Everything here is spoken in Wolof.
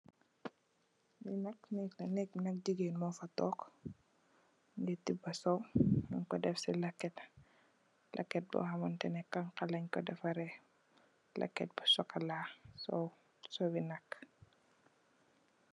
Lii nak nehgg la, nehgg bi nak gigain mofa tok, mungy tibah sowe, munkor deff cii lehket, lehket bor hamanteh neh khanha lengh kor defareh, lehket bu chocolat, sowe sowii nak.